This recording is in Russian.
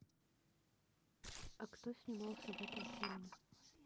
а кто снимался в этом фильме